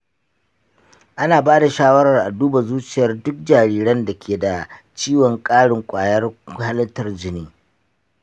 ana ba da shawarar a duba zuciyar duk jariran da ke da ciwon ƙarin kwayar halittar jiki.